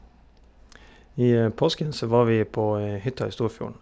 I påsken så var vi på hytta i Storfjorden.